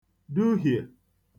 duhiè